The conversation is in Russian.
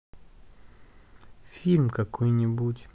фильм какой нибудь